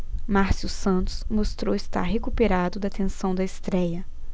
márcio santos mostrou estar recuperado da tensão da estréia